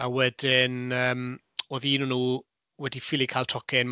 A wedyn yym oedd un o' nhw wedi ffaelu cael tocyn.